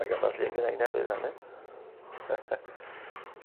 Mae ganddo llun gennai nawr i rannu.